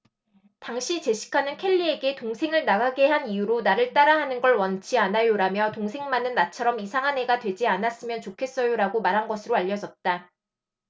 당시 제시카는 켈리에게 동생을 나가게 한 이유로 나를 따라 하는 걸 원치 않아요라며 동생만은 나처럼 이상한 애가 되지 않았으면 좋겠어요라고 말한 것으로 알려졌다